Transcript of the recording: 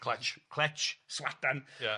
Cletch... cletch, swadan... Ia...